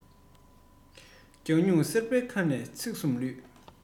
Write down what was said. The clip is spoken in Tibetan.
ངན པའི རྗེས ལ ལྟས ངན གཏམ ངན ཡོད